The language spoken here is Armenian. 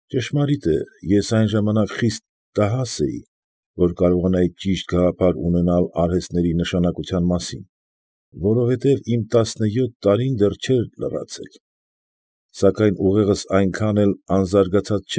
Ճշմարիտ է, ես այն ժամանակ խիստ տհաս էի, որ կարողանայի ճիշտ գաղափար ունենալ արհեստների նշանակության մասին, որովհետև իմ տասնևյոթ տարին դեռ չէր լրացել, սակայն ուղեղս այնքան էլ անզարգացած։